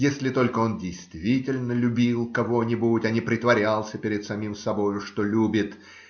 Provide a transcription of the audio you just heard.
если только он действительно любил кого-нибудь, а не притворялся перед самим собою, что любит,